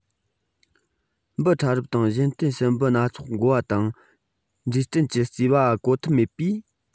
འབུ ཕྲ རབ དང གཞན བརྟེན སྲིན འབུ སྣ ཚོགས འགོ བ དང འབྲས སྐྲན གྱི གཙེས པ འགོག ཐབས མེད པས